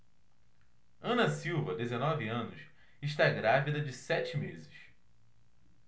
ana silva dezenove anos está grávida de sete meses